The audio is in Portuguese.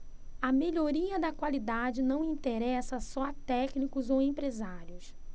a melhoria da qualidade não interessa só a técnicos ou empresários